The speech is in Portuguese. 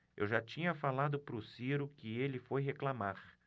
eu já tinha falado pro ciro que ele foi reclamar